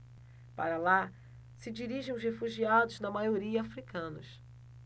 para lá se dirigem os refugiados na maioria hútus